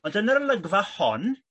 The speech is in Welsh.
Ond yn yr olygfa hon